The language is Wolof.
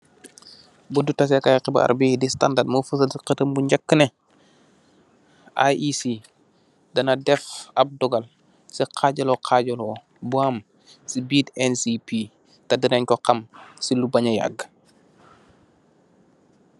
Buntu taseh kaii khibarr bii the standard mor feusal cii keutam bu njehkue neh, IEC dahna deff ahbb dorgal cii haajalor haajalor bu am cii birr NCP teh dinen kor ham cii lu banja yague.